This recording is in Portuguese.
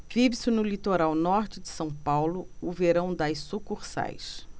vive-se no litoral norte de são paulo o verão das sucursais